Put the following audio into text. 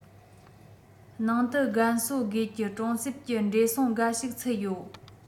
ནང དུ རྒན གསོ དགོས ཀྱི གྲོང གསེབ ཀྱི བགྲེས སོང འགའ ཞིག ཚུད ཡོད